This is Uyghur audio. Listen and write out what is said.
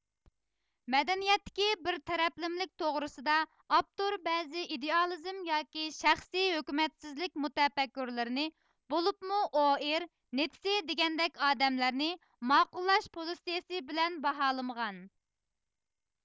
مەدەنىيەتتىكى بىر تەرەپلىمىلىك توغرىسىدا ئاپتور بەزى ئىدېئالىزم ياكى شەخسىي ھۆكۈمەتسىزلىك مۇتەپەككۇرلىرىنى بولۇپمۇ ئوئىر نىتسى دېگەندەك ئادەملەرنى ماقۇللاش پوزىتسىيىسى بىلەن باھالىمىغان